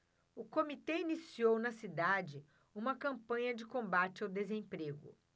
o comitê iniciou na cidade uma campanha de combate ao desemprego